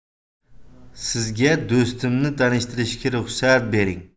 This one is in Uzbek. sizga do'stimni tanishtirishga ruxsat bering